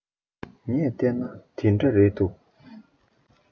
ངས ལྟས ན འདི འདྲ རེད འདུག